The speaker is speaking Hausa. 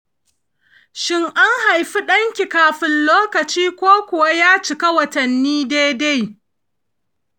shin an haifi ɗanki kafin lokaci ko kuwa ya cika watanni daidai